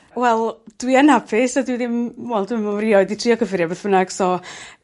Wel dwi yn apus a dwi ddim wel dwi'm me'wl fi erioed 'di trio cyffurie beth bynnag so